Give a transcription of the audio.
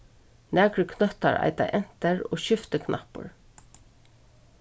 nakrir knøttar eita enter og skiftiknappur